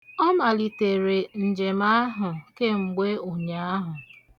Ọ malitere njem ahụ kemgbe ụnyaahụ.